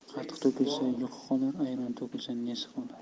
qatiq to'kilsa yuqi qolar ayron to'kilsa nesi qolar